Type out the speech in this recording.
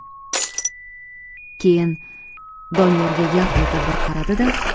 keyin doniyorga yalt etib bir qaradi da